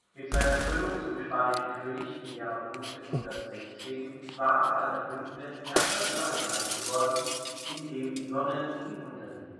Mit seiner Krönung zum spanischen König im Jahr 1516 war Karl V. Herrscher über ein Reich geworden, „ in dem die Sonne nie unterging